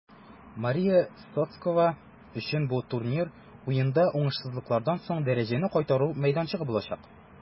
Мария Сотскова өчен бу турнир Уеннарда уңышсызлыклардан соң дәрәҗәне кайтару мәйданчыгы булачак.